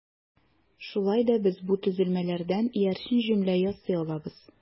Шулай да без бу төзелмәләрдән иярчен җөмлә ясый алабыз.